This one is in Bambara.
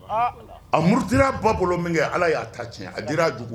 A muru dira ba bolo min kɛ ala y'a ta tiɲɛ ara